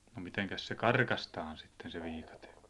no mitenkäs se karkaistaan sitten se viikate